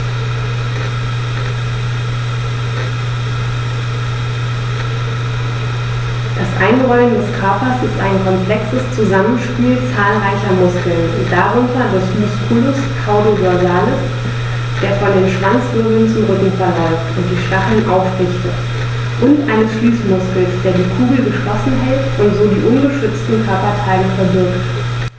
Das Einrollen des Körpers ist ein komplexes Zusammenspiel zahlreicher Muskeln, darunter des Musculus caudo-dorsalis, der von den Schwanzwirbeln zum Rücken verläuft und die Stacheln aufrichtet, und eines Schließmuskels, der die Kugel geschlossen hält und so die ungeschützten Körperteile verbirgt.